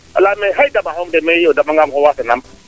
a leyaame xe damaxong mais iyo o damangam o waasa naam